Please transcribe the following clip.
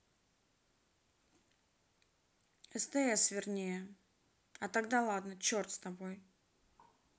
стс вернее а тогда ладно черт с тобой